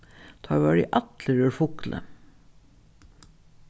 teir vóru allir úr fugli